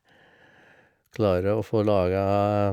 Klare å få laga...